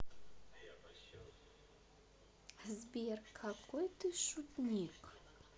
сбер какой ты шутник